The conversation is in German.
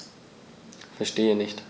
Verstehe nicht.